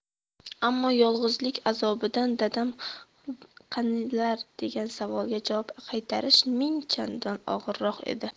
ammo yolg'izlik azobidan dadam qanilar degan savolga javob qaytarish ming chandon og'irroq edi